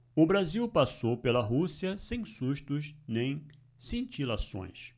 o brasil passou pela rússia sem sustos nem cintilações